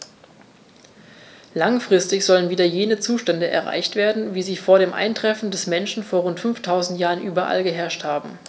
Langfristig sollen wieder jene Zustände erreicht werden, wie sie vor dem Eintreffen des Menschen vor rund 5000 Jahren überall geherrscht haben.